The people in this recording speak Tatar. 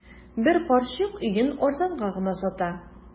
Бер карчык өен арзанга гына сата.